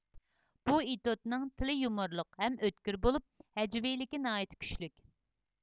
بۇ ئېتوتنىڭ تىلى يۇمۇرلۇق ھەم ئۆتكۈر بولۇپ ھەجۋىيلىكى ناھايىتى كۈچلۈك